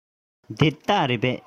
འདི སྟག རེད པས